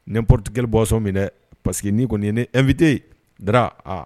Ni porote kelenli bɔsɔ minɛ paseke ni kɔni ye ni nfit da a